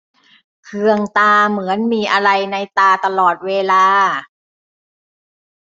เคืองตาเหมือนมีอะไรในตาตลอดเวลา